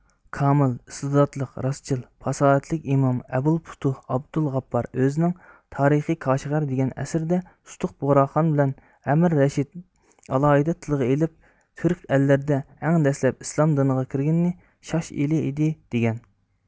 كامىل ئىستېداتلىق راستچىل پاساھەتلىك ئىمام ئەبۇل پۇتۇھ ئابدۇل غاپپار ئۆزىنىڭ تارىخى كاشىغەر دېگەن ئەسىرىدە سۇتۇق بۇغراخان بىلەن ئەمىر رەشىد ئالاھىدە تىلغا ئېلىپ تۈرك ئەللىرىدە ئەڭ دەسلەپ ئىسلام دىنىغا كىرگىنى شاش ئېلى ئىدى دېگەن